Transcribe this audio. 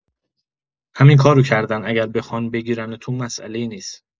همین کارو کردن اگر بخوان بگیرنتون مساله‌ای نیست